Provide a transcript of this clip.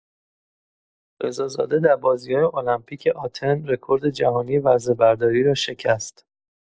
رضا زاده در بازی‌های المپیک آتن رکورد جهانی وزنه‌برداری را شکست.